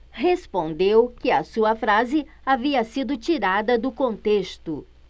respondeu que a sua frase havia sido tirada do contexto